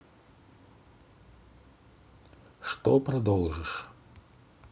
что продолжишь